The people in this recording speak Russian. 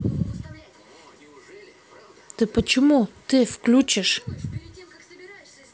ты почему ты включишь